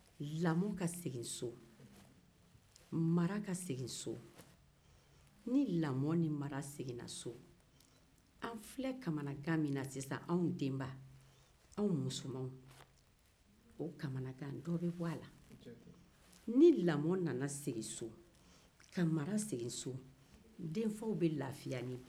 ni lamɔ seginna so sisan anw denbaw bɛ kamanagan min na dɔ bɛ bɔ a la ni lamɔseginna so denfaw bɛ lafiya ni bɛɛ ye